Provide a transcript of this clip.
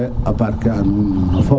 a barke a nun nuno fop